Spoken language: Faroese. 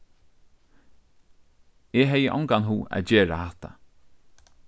eg hevði ongan hug at gera hatta